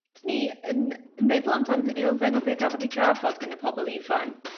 'Dyn ni yn meddwl am dan elfen o be' gafodd 'i drafod gin y pobol ifanc